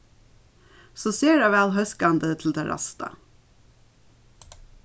so sera væl hóskandi til tað ræsta